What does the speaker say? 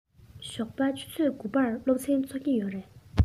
ཞོགས པ ཆུ ཚོད དགུ པར སློབ ཚན ཚུགས ཀྱི ཡོད རེད